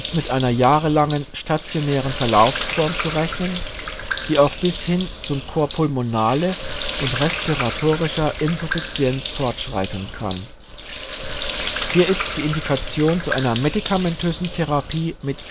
mit einer jahrelangen stationären Verlaufsform zu rechnen, die auch bis hin zum Cor pulmonale und respiratorischer Insuffizienz fortschreiten kann. Hier ist die Indikation zu einer medikamentösen Therapie mit